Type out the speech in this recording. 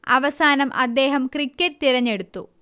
അവസാനം അദ്ദേഹം ക്രിക്കറ്റ് തിരെഞ്ഞെടുത്തു